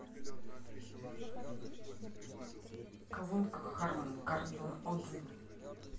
колонка харман кардон отзывы